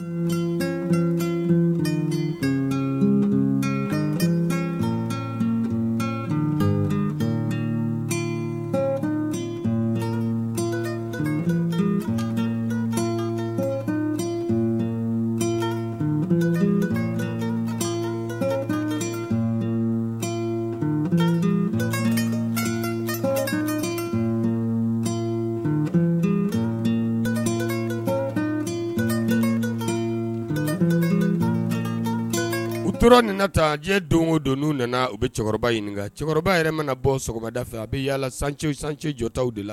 U tora nana taa diɲɛ don o don u nana u bɛ cɛkɔrɔba ɲini cɛkɔrɔba yɛrɛ mana bɔda fɛ a bɛ yaala sancɛ jɔ taw de la